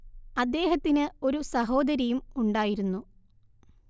അദ്ദേഹത്തിന് ഒരു സഹോദരിയും ഉണ്ടായിരുന്നു